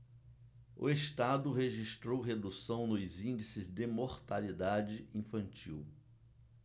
o estado registrou redução nos índices de mortalidade infantil